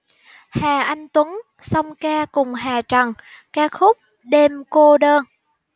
hà anh tuấn song ca cùng hà trần ca khúc đêm cô đơn